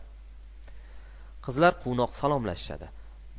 qizlar quvnoq salomlashishadi